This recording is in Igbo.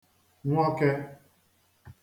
Nwọke